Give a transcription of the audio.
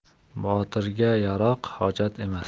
botirga yaroq hojat emas